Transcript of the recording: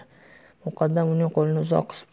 muqaddam uning qo'lini uzoq qisib turdi da